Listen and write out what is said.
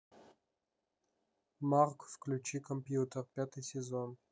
марк выключи компьютер пятый сезон